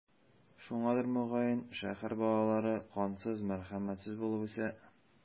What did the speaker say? Шуңадыр, мөгаен, шәһәр балалары кансыз, мәрхәмәтсез булып үсә.